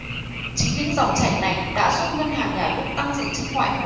chính những dòng chảy này đã giúp ngân hàng nhà nước tăng dự trữ ngoại hối